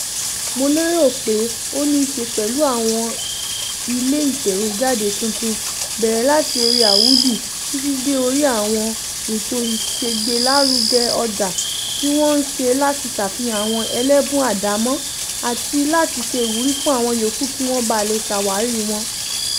mo lérò pé ó níí ṣe pẹ̀lú àwọn ilé ìtẹ̀wéjáde tuntun, bẹ̀rẹ̀ láti orí Awoudy, títí dé orí àwọn àwọn ètò ìṣègbélárugẹ ọjà tí wọ́n ṣe láti ṣàfihàn àwọn ẹlẹ́bùn àdámọ́ àti láti ṣe ìwúrí fún àwọn yòókù kí wọ́n bà lè ṣàwárí wọn.